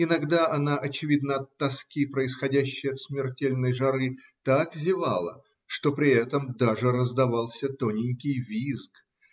иногда она, очевидно от тоски, происходящей от смертельной жары, так зевала, что при этом даже раздавался тоненький визг